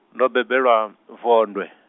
ndo bebelwa, Vondwe.